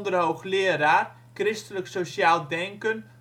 hoogleraar christelijk sociaal denken